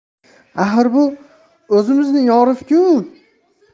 axir bu o'zimizning orif ku